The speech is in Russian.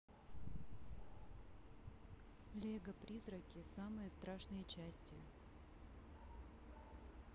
лего призраки самые страшные части